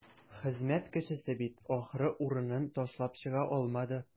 Хезмәт кешесе бит, ахры, урынын ташлап чыга алмады.